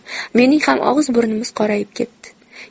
mening ham og'iz burnimiz qorayib ketdi